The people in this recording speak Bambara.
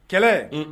Kɛlɛ! Un!